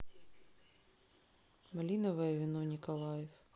малиновое вино николаев